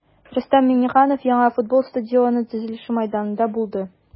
Рөстәм Миңнеханов яңа футбол стадионы төзелеше мәйданында булды.